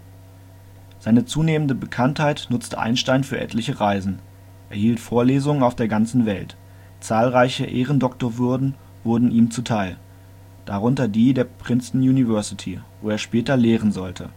zunehmende Bekanntheit nutzte Einstein für etliche Reisen: Er hielt Vorlesungen auf der ganzen Welt. Zahlreiche Ehrendoktorwürden wurden ihm zuteil, darunter die der Princeton University, wo er später lehren sollte